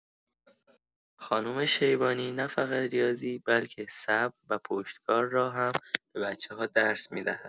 خانم شیبانی نه‌فقط ریاضی، بلکه صبر و پشتکار را هم به بچه‌ها درس می‌دهد.